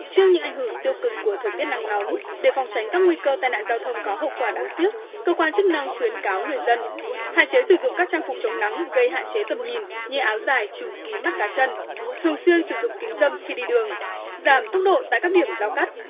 trước những ảnh hưởng tiêu cực của thời tiết nắng nóng để phòng tránh các nguy cơ tai nạn giao thông có hậu quả đáng tiếc cơ quan chức năng khuyến cáo người dân hạn chế sử dụng các trang phục chống nắng gây hạn chế tầm nhìn như áo dài trùm kín mắt cá chân thường xuyên sử dụng kính râm khi đi đường giảm tốc độ tại các điểm giao cắt